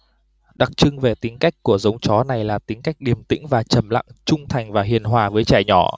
đặc trưng về tính cách của giống chó này là tính cách điềm tĩnh và trầm lặng trung thành và hiền hòa với trẻ nhỏ